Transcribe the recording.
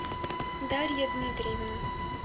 дарья дмитриевна